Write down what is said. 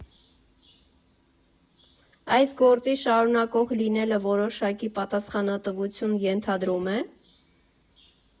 Այս գործի շարունակող լինելը որոշակի պատասխանատվություն ենթադրո՞ւմ է։